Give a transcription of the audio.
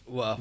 waaw